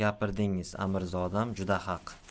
gapirdingiz amirzodam juda haq